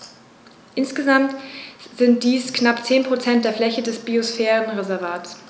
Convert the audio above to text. Insgesamt sind dies knapp 10 % der Fläche des Biosphärenreservates.